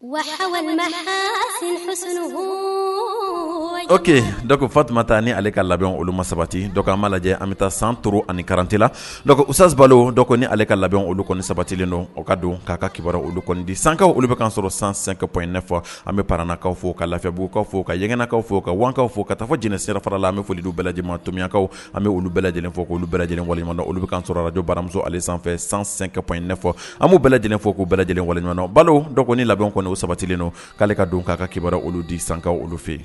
Wa okefa tun taa ni ale ka labɛn olu ma sabati dɔ an ma' lajɛ an bɛ taa san toro ani karante lasanba ale ka labɛn olu kɔni sabati don o ka don k'a ka kibara olu di sanka olu bɛ kan sɔrɔ san san kapyefɔ an bɛkaw fɔ ka lafifɛ b'u ka fɔ ka ɲgɛnkaw fɔ ka wkaw fɔ ka taa fɔ jeni sira fara la an bɛ fɔ foli' bɛɛ lajɛlenmatomiyakaw an bɛ olu bɛɛ lajɛlen fɔ k'olu bɛɛ lajɛlen waleɲuman na olu bɛ ka kan sɔrɔla don baramuso ale sanfɛ san san kapyefɔ an bɛɛ lajɛlen fɔ k'u bɛɛ lajɛlen waleɲuman na balo la o sabatilen don k'ale ka don k'a ka kibara olu di sanka olu fɛ yen